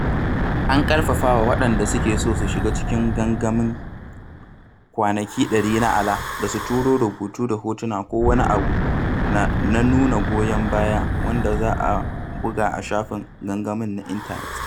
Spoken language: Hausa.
An ƙarfafawa waɗanda suke so su shiga cikin gangamin "kwanaki 100 na Alaa" da su turo "rubutu da hotuna ko wani abu na nuna goyon baya" wanda za a buga a shafin gangamin na intanet.